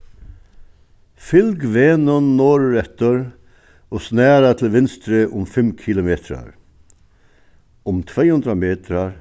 fylg vegnum norðureftir og snara til vinstru um fimm kilometrar um tvey hundrað metrar